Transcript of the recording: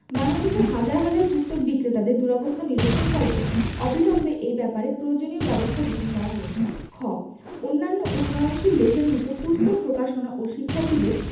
বাংলাদেশের হাজার হাজার পুস্তক বিক্রেতাদের দুরবস্থা নিরসনকল্পে অবিলম্বে এই ব্যাপারে প্রয়োজনীয় ব্যাবস্থা গ্রহণ করা হোক খ অন্যান্য উন্নয়নশীল দেশের মত পুস্তক প্রকাশনা ও শিক্ষার্থীদের